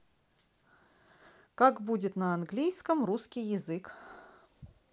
как будет на английском русский язык